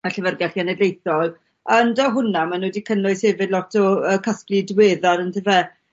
y Llyfyrgell Genedlaethol, yndo hwnna ma' nw 'di cynnwys hefyd lot o yy casglu diweddar on'd yfe?